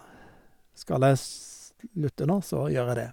Skal jeg slutte nå, så gjør jeg det.